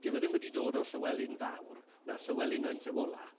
dyw e ddim wedi dod o Llywelyn Fawr na Llywelyn ein Llyw olaf.